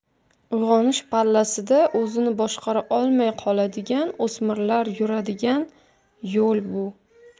uyg'onish pallasida o'zini boshqara olmay qoladigan o'smirlar yuradigan yo'l bu